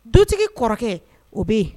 Dutigi kɔrɔkɛ o bɛ yen